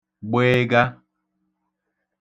gbịịga